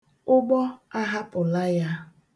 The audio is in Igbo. Ụgbọ ahapụla ya.